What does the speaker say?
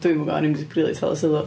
Dwi'm yn gwbod do'n i'm 'di rili talu sylw.